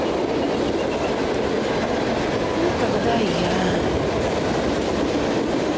ну тогда я